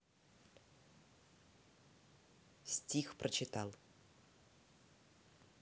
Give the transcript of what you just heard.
стих прочитал